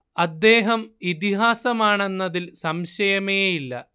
അദ്ദേഹം ഇതിഹാസമാണെന്നതിൽ സംശയമേയില്ല